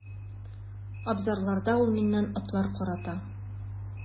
Абзарларда ул миннән атлар карата.